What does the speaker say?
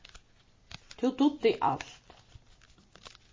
tú dugdi alt